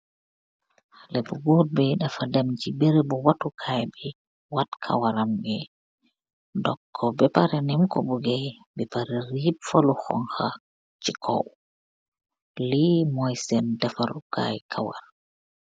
Haleh bu goor bi dafa dem ce watuu kai bi waat karawam bi dong ko beh parreh num nko bugeih deffa lu houng ka, li moui cen dehfaarou kai karouwu.